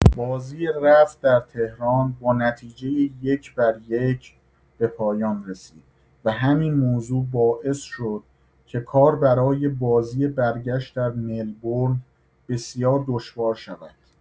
بازی رفت در تهران با نتیجه یک بر یک به پایان رسید و همین موضوع باعث شد که کار برای بازی برگشت در ملبورن بسیار دشوار شود.